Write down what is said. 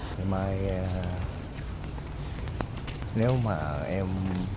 ngày mai nếu mà em